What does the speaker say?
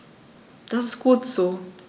Das ist gut so.